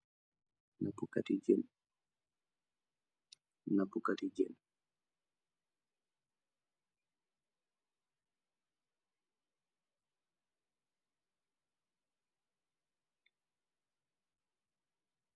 Napu kat i jëën, napu kat i jëën.